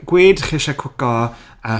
Gwed chi eisiau cwco yy...